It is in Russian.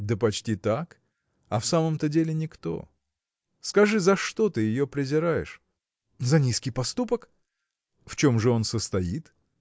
– Да почти так, а в самом-то деле никто. Скажи, за что ты ее презираешь? – За низкий поступок. – В чем же он состоит?